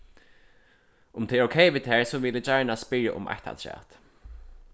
um tað er ókey við tær so vil eg gjarna spyrja um eitt afturat